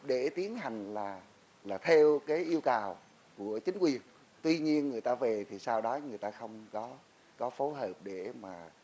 để tiến hành là là theo kế yêu cầu của chính quyền tuy nhiên người ta về thì sau đó người ta không có có phối hợp để mà